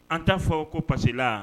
An t'a fɔ ko pasila